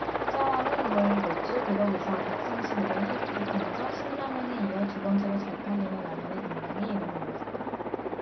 짜왕은 월 매출 백 억 에서 백 삼십 억원을 기록하면서 신라면에 이어 두번째로 잘 팔리는 라면에 당당히 이름을 올렸다